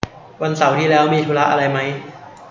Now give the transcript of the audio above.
วันเสาร์ที่แล้วมีธุระอะไรมั้ย